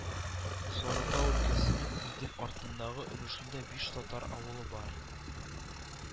Сарытау өлкәсенең Идел артындагы өлешендә биш татар авылы бар